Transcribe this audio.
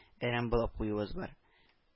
Әрәм булып куюыбыз бар